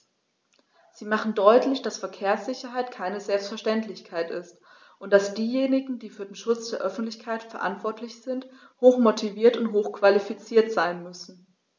Sie machen deutlich, dass Verkehrssicherheit keine Selbstverständlichkeit ist und dass diejenigen, die für den Schutz der Öffentlichkeit verantwortlich sind, hochmotiviert und hochqualifiziert sein müssen.